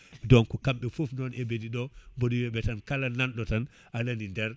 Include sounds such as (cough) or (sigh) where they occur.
(laughs) donc kamɓe foof noon eɓeni ɗo boɗo wiyaɓe tan kala nanɗo tan aɗani nder